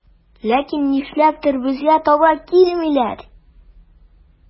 Ләкин нишләптер безгә таба килмиләр.